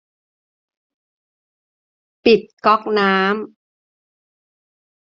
ปิดก๊อกน้ำ